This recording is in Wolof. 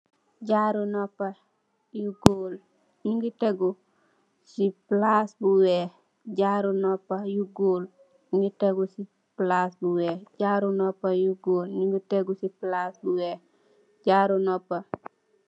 Jaru noppa yu gool, ñu ngi tégu ci palas bu wèèx.